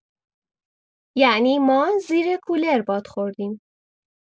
یعنی ما زیر کولر باد خوردیم.